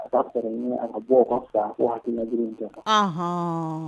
A ka bɔ jiri kɛ